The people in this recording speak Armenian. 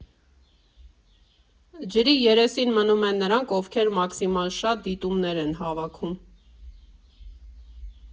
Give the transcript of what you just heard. Ջրի երեսին մնում են նրանք, ովքեր մաքսիմալ շատ դիտումներ են հավաքում։